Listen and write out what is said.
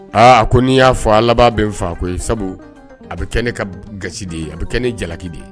Aaa a ko n'i y'a fɔ ala laban bɛ n faa ko sabu a bɛ kɛ ne ka ga de ye a bɛ kɛ ne jalaki de ye